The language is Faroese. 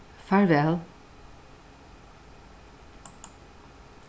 farvæl